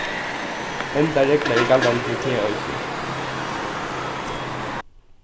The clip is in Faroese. henda regla er galdandi fyri teg eisini